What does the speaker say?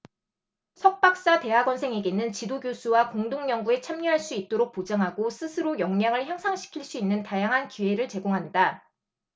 석 박사 대학원생에게는 지도교수와 공동 연구에 참여할 수 있도록 보장하고 스스로 역량을 향상시킬 수 있는 다양한 기회를 제공한다